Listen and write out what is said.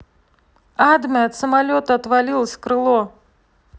adme от самолета отвалилось крыло